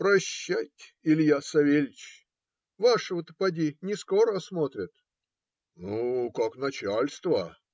Прощайте, Илья Савельич, вашего-то, поди, не скоро осмотрят? - Как начальство!.